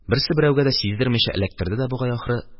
Берсе, берәүгә дә сиздермичә, эләктерде дә бугай, ахры.